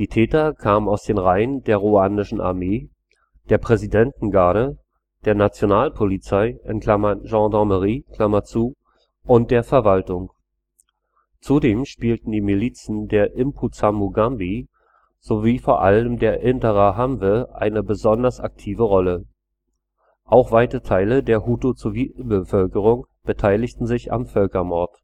Die Täter kamen aus den Reihen der ruandischen Armee, der Präsidentengarde, der Nationalpolizei (Gendarmerie) und der Verwaltung. Zudem spielten die Milizen der Impuzamugambi sowie vor allem der Interahamwe eine besonders aktive Rolle. Auch weite Teile der Hutu-Zivilbevölkerung beteiligten sich am Völkermord